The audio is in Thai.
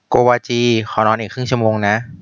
โกวาจีขอนอนอีกครึ่งชั่วโมงนะ